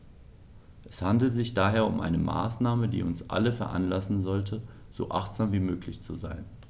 Es handelt sich daher um eine Maßnahme, die uns alle veranlassen sollte, so achtsam wie möglich zu sein.